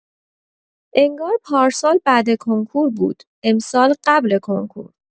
انگار پارسال بعد کنکور بود، امسال قبل کنکور!